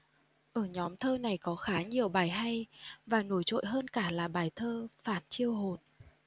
ở nhóm thơ này có khá nhiều bài hay và nổi trội hơn cả là bài thơ phản chiêu hồn